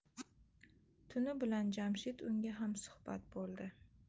tuni bilan jamshid unga hamsuhbat bo'ldi